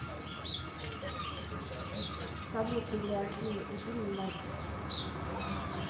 салют или афина иди нахрен